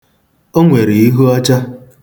O nwere ihu ọcha.